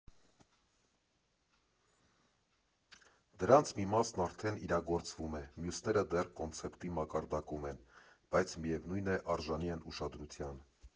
Դրանց մի մասն արդեն իրագործվում է, մյուսները դեռ կոնցեպտի մակարդակում են, բայց միևնույն է՝ արժանի են ուշադրության։